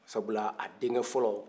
sabula a denkɛ folo